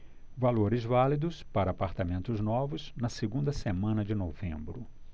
valores válidos para apartamentos novos na segunda semana de novembro